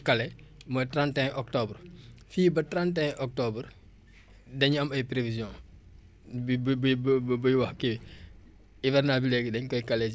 fii ba trente et un octobre dañuy am ay prévisions bi bu bu buy wax kii hivernage bi léegi dañ koy calculé fin fin saison trente et un octobre